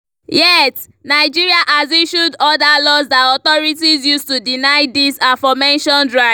Yet, Nigeria has issued other laws that authorities use to deny these aforementioned rights.